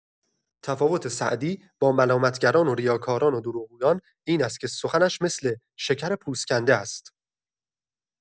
تفاوت سعدی با ملامتگران و ریاکاران و دروغگویان این است که سخنش مثل «شکر پوست‌کنده» است.